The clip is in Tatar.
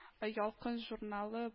«ялкын» журналы